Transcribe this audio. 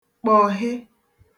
kpọhe